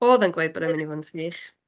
Oedd e'n gweud bod e'n mynd i fod yn sych.